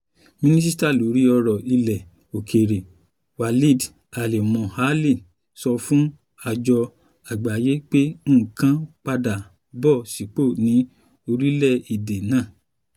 Mínísítà loŕi ọ̀rọ̀ ilẹ̀-òkèèrè, Walid al-Moualem, sọ fún àjọ Àgbáyé pé nǹkan padà bọ̀ sípò ní orílẹ̀-èdè náà.